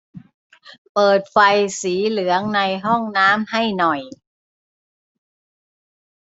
เปิดไฟสีเหลืองในห้องน้ำให้หน่อย